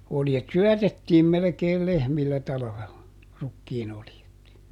oljet syötettiin melkein lehmillä talvella rukiinoljet